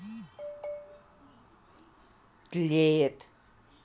тлеет